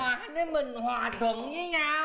đứa mình hòa thuận với nhau